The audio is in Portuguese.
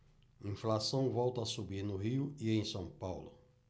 inflação volta a subir no rio e em são paulo